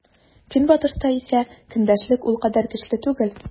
Көнбатышта исә көндәшлек ул кадәр көчле түгел.